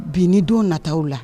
Bi ni don nataw la.